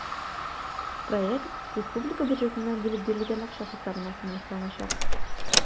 Проект республика бюджетыннан бүлеп бирелгән акча хисабына финансланачак.